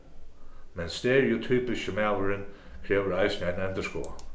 men stereotypiski maðurin krevur eisini eina endurskoðan